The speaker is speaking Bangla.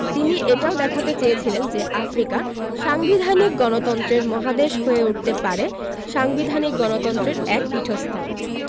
তিনি এটাও দেখাতে চেয়েছিলেন যে আফ্রিকা সাংবিধানিক গণতন্ত্রের মহাদেশ হয়ে উঠতে পারে সাংবিধানিক গণতন্ত্রের এক পীঠস্থান